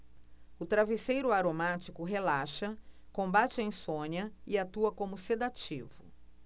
o travesseiro aromático relaxa combate a insônia e atua como sedativo